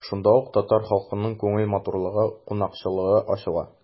Шунда ук татар халкының күңел матурлыгы, кунакчыллыгы ачыла.